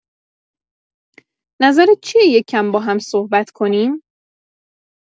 نظرت چیه یکم باهم صحبت کنیم؟